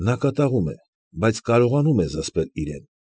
Նա կատաղում է, բայց կարողանում է զսպել իրեն։